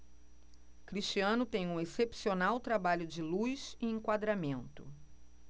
cristiano tem um excepcional trabalho de luz e enquadramento